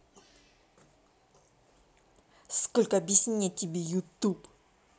сколько объяснять тебе youtube